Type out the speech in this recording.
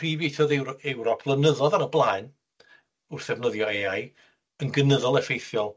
prif ieithodd Ewro- Ewrop blynyddodd ar y blaen wrth ddefnyddio Ay I, yn gynyddol effeithiol,